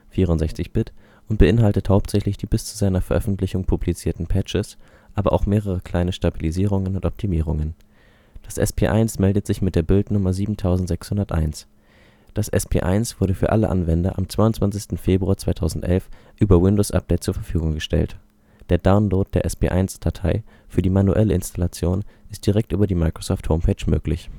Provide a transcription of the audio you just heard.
64-Bit) und beinhaltet hauptsächlich die bis zu seiner Veröffentlichung publizierten Patches, aber auch mehrere kleine Stabilisierungen und Optimierungen. Das SP1 meldet sich mit der Build-Nummer 7601. Das SP1 wurde für alle Anwender am 22. Februar 2011 über Windows Update zur Verfügung gestellt. Der Download der SP1-Datei für die manuelle Installation ist direkt über die Microsoft-Homepage möglich